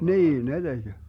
niin ne teki